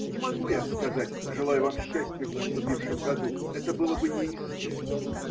Не могу я сказать: желаю вам счастья в наступившем году. – это было бы неискренно.